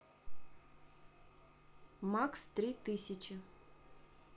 макс три тысячи